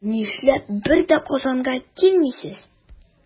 Нишләп бер дә Казанга килмисез?